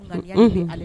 ŋaniya ye, unhun